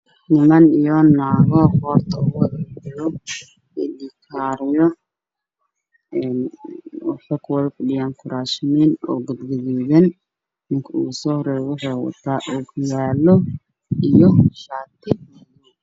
Waa hool waxaa isugu imaaday dad fara badan iyo niman inaga iskugu jiro waxa ay ku fadhiyaan kuraas gudoodeen